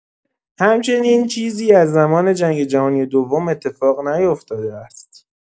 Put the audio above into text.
همچین چیزی از زمان جنگ جهانی دوم اتفاق نیفتاده است.